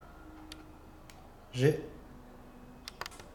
རེད